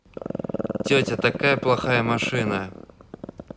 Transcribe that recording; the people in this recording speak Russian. тетя такая машина плохая